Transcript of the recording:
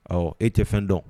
Ɔ e tɛ fɛn dɔn